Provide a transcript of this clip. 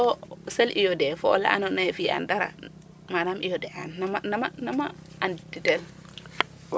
so sel iodé fo ola andoona yee fi'an dara manaam iodé an nama nama anditel.